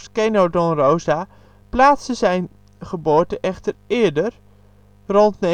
Keno Don Rosa, plaatsen zijn geboorte echter eerder, rond 1920. In